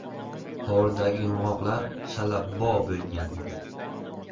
hovlidagi yong'oqlar shallabo bo'lgan edi